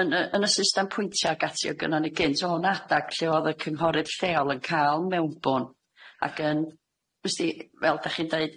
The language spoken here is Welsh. yn y yn y system pwyntia' ag ati o gynnon ni cynt o'n adag lle o'dd y cynghorydd lleol yn ca'l mewnbwn ac yn w'sdi fel dach chi'n deud